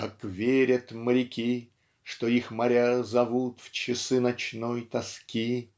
как верят моряки, Что их моря зовут в часы ночной тоски,